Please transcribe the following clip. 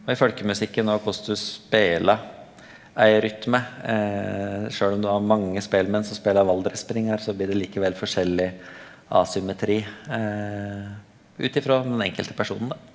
og i folkemusikken og korleis du spelar ei rytme sjølv om du har mange spelmenn som spelar Valdresspringar så blir det likevel forskjellig asymmetri ut ifrå den enkelte personen da.